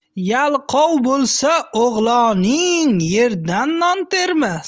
yalqov bo'lsa o'g'loning yerdan non termas